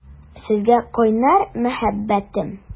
Сезгә кайнар мәхәббәтем!